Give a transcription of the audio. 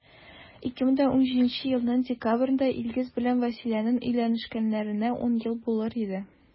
2017 елның декабрендә илгиз белән вәсиләнең өйләнешкәннәренә 10 ел булыр иде.